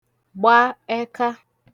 gba ẹka